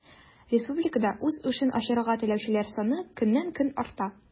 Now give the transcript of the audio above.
Республикада үз эшен ачарга теләүчеләр саны көннән-көн арта.